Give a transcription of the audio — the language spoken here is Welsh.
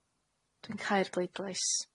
Dwi'n cau'r bleidlais.